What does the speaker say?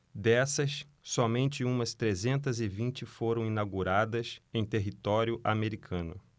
dessas somente umas trezentas e vinte foram inauguradas em território americano